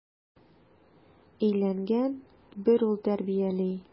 Өйләнгән, бер ул тәрбияли.